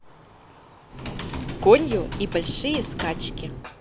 конью и большие скачки